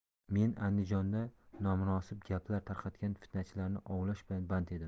men andijonda nomunosib gaplar tarqatgan fitnachilarni ovlash bilan band edim